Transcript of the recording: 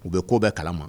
U bɛ kobɛn kalama